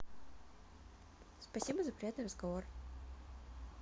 спасибо за приятный разговор